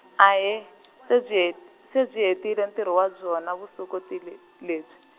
ahee, se byi het-, se byi hetile ntirho wa byona vusokoti le, lebyi.